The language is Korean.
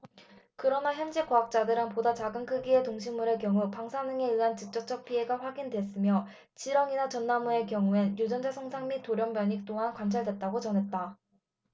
그러나 현지 과학자들은 보다 작은 크기의 동식물의 경우 방사능에 의한 직접적 피해가 확인됐으며 지렁이나 전나무의 경우엔 유전자 손상 및 돌연변이 또한 관찰됐다고 전했다